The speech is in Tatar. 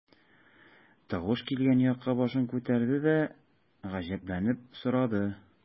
Тавыш килгән якка башын күтәрде дә, гаҗәпләнеп сорады.